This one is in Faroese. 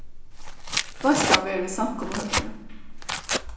veitslan verður í samkomuhøllini